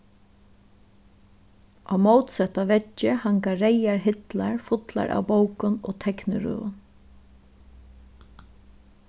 á mótsetta veggi hanga reyðar hillar fullar av bókum og teknirøðum